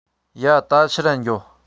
ཡ ད ཕྱིར ར འགྱོ